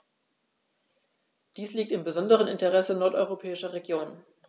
Dies liegt im besonderen Interesse nordeuropäischer Regionen.